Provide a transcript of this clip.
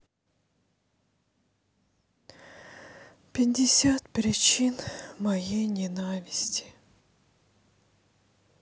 пятьдесят причин моей ненависти